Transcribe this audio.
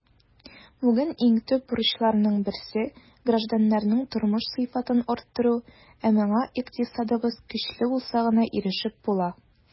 Бүген иң төп бурычларның берсе - гражданнарның тормыш сыйфатын арттыру, ә моңа икътисадыбыз көчле булса гына ирешеп була.